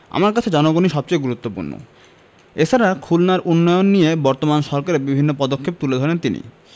আমার কাছে জনগণই সবচেয়ে গুরুত্বপূর্ণ এছাড়া খুলনার উন্নয়ন নিয়ে বর্তমান সরকারের বিভিন্ন পদক্ষেপ তুলে ধরেন তিনি